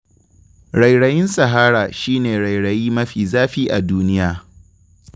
Rairayin Sahara shi ne rairayi mafi zafi a duniya.